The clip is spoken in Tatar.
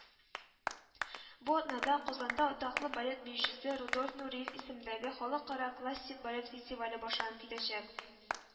Бу атнада Казанда атаклы балет биючесе Рудольф Нуриев исемендәге Халыкара классик балет фестивале башланып китәчәк